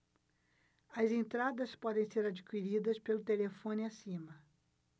as entradas podem ser adquiridas pelo telefone acima